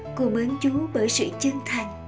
cô mến chú bởi sự chân thành